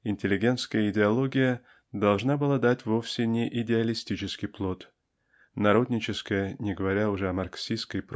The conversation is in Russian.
интеллигентская идеология должна была дать вовсе не идеалистический плод. Народническая не говоря уже о марксистской